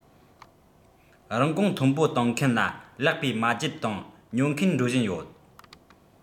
རིན གོང མཐོན པོ གཏོང མཁན ལ ལེགས པས མ བརྗེད དང ཉོ མཁན འགྲོ བཞིན ཡོད